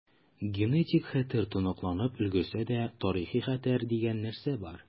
Генетик хәтер тоныкланып өлгерсә дә, тарихи хәтер дигән нәрсә бар.